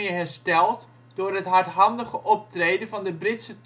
hersteld door het hardhandige optreden van de Britse